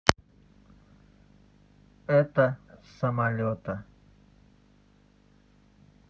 это самалета